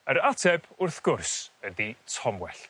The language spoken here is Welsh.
yr ateb wrth gwrs ydi tomwell.